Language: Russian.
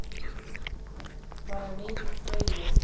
парамедик трейлер